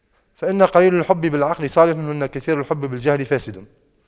فإن قليل الحب بالعقل صالح وإن كثير الحب بالجهل فاسد